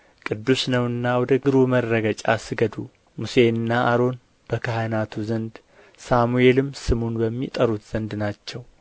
ቅዱስ ነውና ወደ እግሩ መረገጫ ስገዱ ሙሴና አሮን በካህናቱ ዘንድ ሳሙኤልም ስሙን በሚጠሩት ዘንድ ናቸው